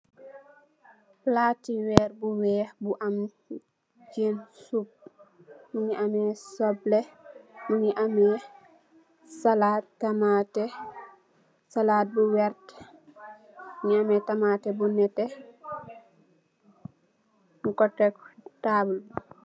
Palati weer bu weex, bu am jen sup, mingi amme sople, mingi amme salat, tamate, salat bu werta, mingi amme tamate bu nete, nyun ko tek si tabul bi.